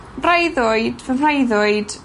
breuddwyd fy mhreuddwyd